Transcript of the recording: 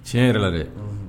Tiɲɛ yɛrɛ la dɛ